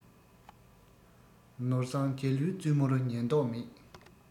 ནོར བཟང རྒྱ ལུའི བཙུན མོར ཉན མདོག མེད